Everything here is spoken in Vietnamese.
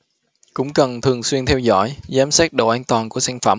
cũng cần thường xuyên theo dõi giám sát độ an toàn của sản phẩm